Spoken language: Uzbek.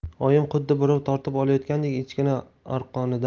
oyim xuddi birov tortib olayotgandek echkining arqonidan